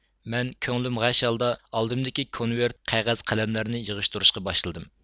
مەن كۆڭلۈم غەش ھالدا ئالدىمدىكى كونۋىرىت قەغەز قەلەملەرنى يىغىشتۇرۇشقا باشلىدىم